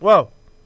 waaw